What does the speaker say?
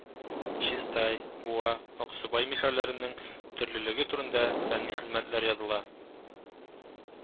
Чистай, Буа, Аксубай мишәрләренең төрлелеге турында фәнни хезмәтләр языла